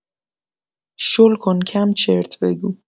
شل کن کم چرت بگو.